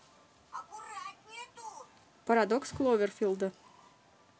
парадокс кловерфилда